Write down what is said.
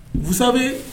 Vous savez